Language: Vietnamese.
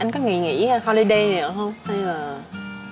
anh có kì nghỉ ho lâu đây nào không hay là